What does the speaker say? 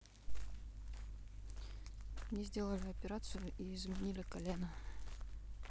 мне сделали операцию и заменили колено